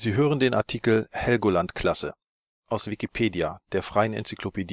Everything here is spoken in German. hören den Artikel Helgoland-Klasse (1909), aus Wikipedia, der freien Enzyklopädie